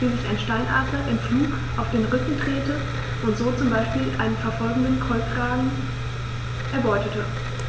wie sich ein Steinadler im Flug auf den Rücken drehte und so zum Beispiel einen verfolgenden Kolkraben erbeutete.